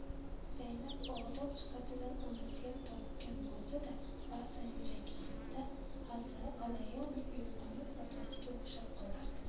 zaynab odob jihatidan onasiga tortgan bo'lsa da ba'zan yuragida g'alayon uyg'onib otasiga o'xshab qolardi